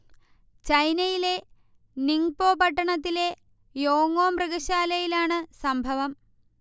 ചൈനയിലെ നിങ്ബോ പട്ടണത്തിലെ യോങോ മൃഗശാലയിലാണ് സംഭവം